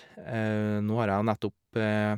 Nå har jeg jo nettopp...